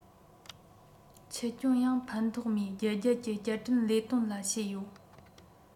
ཆུ སྐྱོན ཡང ཕན ཐོགས མེད བརྒྱད བརྒྱད ཀྱི བསྐྱར སྐྲུན ལས དོན ལ བྱས ཡོད